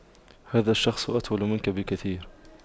هذا الشخص أطول منك بكثير